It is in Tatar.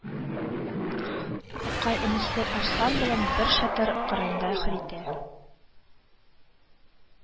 Акай энесе Арслан белән бер чатыр кырыенда харита